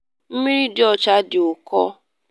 Mmiri dị ọcha dị ụkọ.”